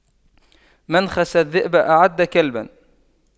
من خشى الذئب أعد كلبا